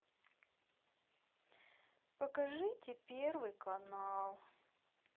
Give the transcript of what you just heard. покажите первый канал